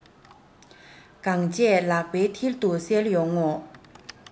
གང བྱས ལག པའི མཐིལ དུ གསལ ཡོང ངོ